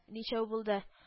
Ничәү булды